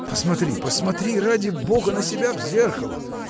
Посмотри, посмотри, ради бога, на себя в зеркало